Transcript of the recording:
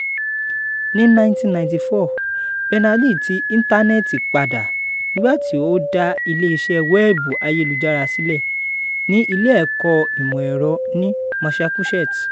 Ní 1994, Berners-Lee tí Ítánẹ̀ẹ̀tì padà nígbàtí ó dá ilé iṣẹ́ wẹ́ẹ̀bù ayélujára sílẹ̀ ní ilé ẹ̀kọ́ ìmọ̀ ẹ̀rọ ní Massachusetts.